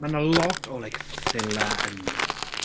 Ma' 'na lot o like filler ynddo fe.